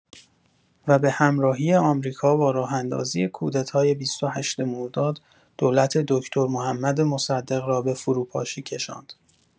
و به همراهی آمریکا، با راه‌اندازی کودتای ۲۸ مرداد، دولت دکتر محمد مصدق را به فروپاشی کشاند.